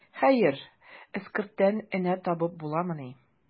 Хәер, эскерттән энә табып буламыни.